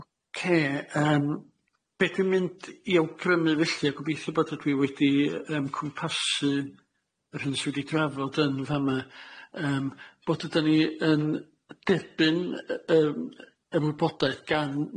Ocê yym be' dwi'n mynd i awgrymu felly a gobeithio bod ydw i wedi yy yym cwmpasu yr hyn sy wedi drafod yn fama yym bod ydan ni yn derbyn yy yym ymwybodaeth gan